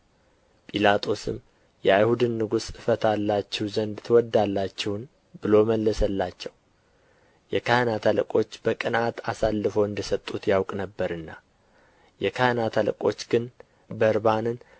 ጲላጦስም የአይሁድን ንጉሥ እፈታላችሁ ዘንድ ትወዳላችሁን ብሎ መለሰላቸው የካህናት አለቆች በቅንዓት አሳልፈው እንደ ሰጡት ያውቅ ነበርና የካህናት አለቆች ግን በርባንን